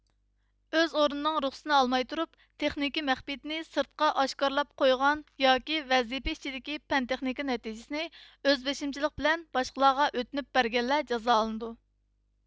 ئۆز ئورنىنىڭ رۇخسىتىنى ئالماي تۇرۇپ تېخنىكا مەخپىيىتىنى سىرتقا ئاشكارىلاپ قويغان ياكى ۋەزىيە ئىچىدىكى پەن تېخنىكا نەتىجىسىنى ئۆز بېشىمچىلىق بىلەن باشقلارغا ئۆتۈنۈپ بەرگەنلەرجازالىندۇ